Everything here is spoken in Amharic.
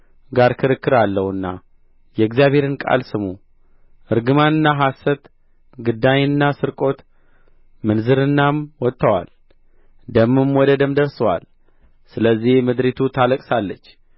ጋር ክርክር አለውና የእግዚአብሔርን ቃል ስሙ እርግማንና ሐሰት ግዳይና ስርቆት ምንዝርናም ወጥተዋል ደምም ወደ ደም ደርሶአል ስለዚህ ምድሪቱ ታለቅሳለች